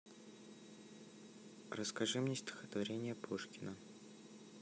расскажи мне стихотворение пушкина